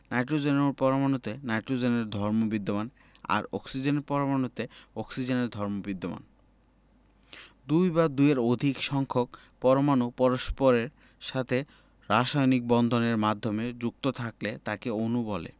নাইট্রোজেনের পরমাণুতে নাইট্রোজেনের ধর্ম বিদ্যমান আর অক্সিজেনের পরমাণুতে অক্সিজেনের ধর্ম বিদ্যমান দুই বা দুইয়ের অধিক সংখ্যক পরমাণু পরস্পরের সাথে রাসায়নিক বন্ধনএর মাধ্যমে যুক্ত থাকলে তাকে অণু বলে